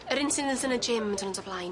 Yr incidents yn y gym y dy'rnod o blaen.